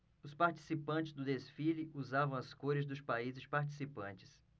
os participantes do desfile usavam as cores dos países participantes